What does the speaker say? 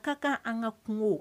Ka kan an ka kungo